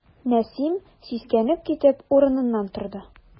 Нәсим, сискәнеп китеп, урыныннан торды.